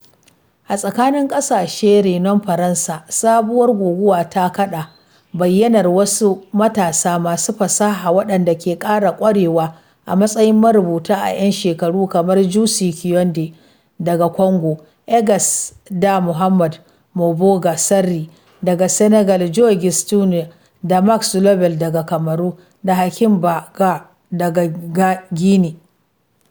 A tsakanin ƙasashe renon Faransa, sabuwar guguwa ta kaɗa, bayyanar wasu matasa masu fasaha waɗanda ke ƙara ƙwarewa a matsayin marubuta a 'yan shekaru, kamar Jussy Kiyindou daga Congo, Elgas da Mohamed Mbougar Sarr daga Senegal, Jo Güstin da Max Lobé daga Kamaru, da Hakim Bah daga Guinea.